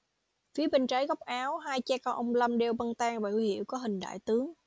phía bên trái góc áo hai cha con ông lâm đeo băng tang và huy hiệu có hình đại tướng